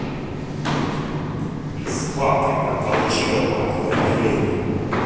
из паприка получила бабка гренни